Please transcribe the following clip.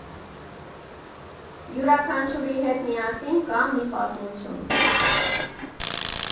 Յուրաքանչյուրի հետ միասին կա մի պատմություն։